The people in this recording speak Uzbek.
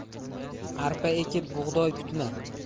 arpa ekib bug'doy kutma